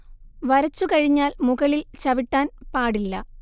വരച്ചു കഴിഞ്ഞാൽ മുകളിൽ ചവിട്ടാൻ പാടില്ല